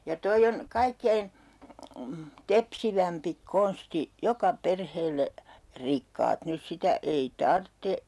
ja tuo on kaikkein tepsivämpi konsti joka perheelle rikkaat nyt sitä ei tarvitse